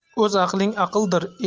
o'z aqling aqldir